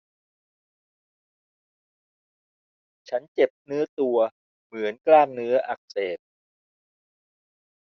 ฉันเจ็บเนื้อตัวเหมือนกล้ามเนื้ออักเสบ